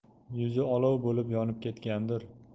yuzi olov bo'lib yonib ketgandir